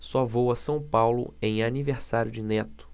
só vou a são paulo em aniversário de neto